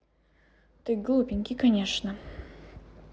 ты глупенький конечно